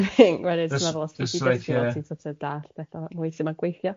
Wedyn dwi'n meddwl os ti'n gweithio ti'n sort of dallt beth o weithiau ma'n gweithio.